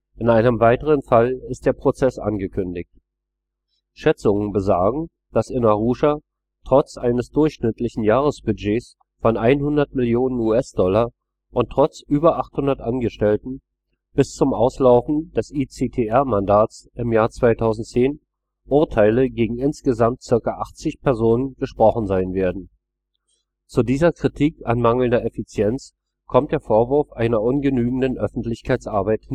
In einem weiteren Fall ist der Prozess angekündigt. Schätzungen besagen, dass in Arusha – trotz eines durchschnittlichen Jahresbudgets von 100 Millionen US-Dollar und trotz über 800 Angestellten – bis zum Auslaufen des ICTR-Mandats im Jahr 2010 Urteile gegen insgesamt zirka 80 Personen gesprochen sein werden. Zu dieser Kritik an mangelnder Effizienz kommt der Vorwurf einer ungenügenden Öffentlichkeitsarbeit